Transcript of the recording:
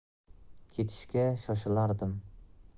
ketishga shoshilardim